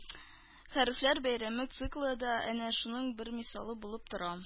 «хәрефләр бәйрәме» циклы да әнә шуның бер мисалы булып тора